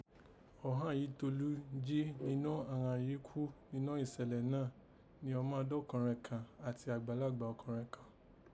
Ọ̀hanyitólú jí ninọ́ àghan yìí kú nínọ́ ìsẹ̀lẹ̀ náà ni ọmadọ́kọ̀nrẹ kàn àti àgbàlagbà ọkọnrẹn kàn